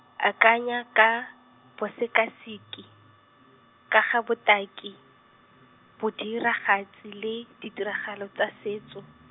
akanya ka, bosekaseki, ka ga botaki, bodiragatsi le ditiragalo tsa setso.